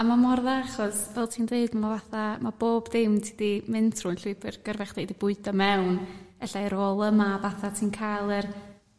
a ma' mor dda 'chos fel ti'n deud ma' fatha ma' bob dim ti 'di mynd trw'n llwybyr gyrfa chdi 'di bwydo mewn ella i'r rôl yma fatha ti'n ca'l yr